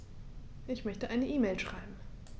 Ich möchte eine E-Mail schreiben.